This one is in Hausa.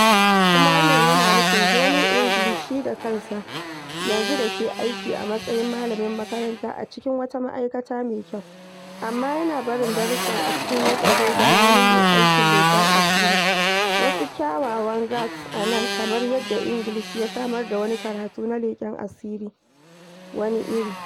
Kuma wannan yana nufin Johnny English shi da kansa, yanzu da ke aiki a matsayin malamin makaranta a cikin wata ma'aikata mai kyau, amma yana barin darussan a cikin yadda zai zama wani mai aikin leƙen asiri: wasu kyawawan gags a nan, kamar yadda English ya samar da wani karatu na leƙen asiri wani iri.